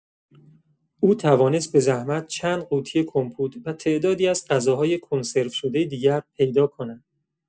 او توانست به زحمت چند قوطی کمپوت و تعدادی از غذاهای کنسروشده دیگر پیدا کند.